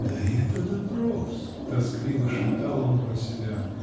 "Да это допрос!" -- тоскливо шептал он про себя.